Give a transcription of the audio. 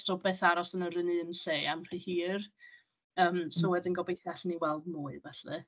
So byth aros yn yr un un lle am rhy hir. Yym... m-hm ...So wedyn gobeithio allwn ni weld mwy, felly.